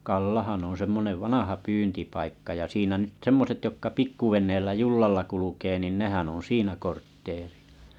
Kallahan on semmoinen vanha pyyntipaikka ja siinä nyt semmoiset jotka pikkuveneellä jollalla kulkee niin nehän on siinä kortteeria